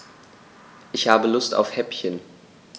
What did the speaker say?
Ich habe Lust auf Häppchen.